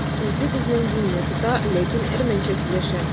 Үзе безнең динне тота, ләкин әрмәнчә сөйләшә.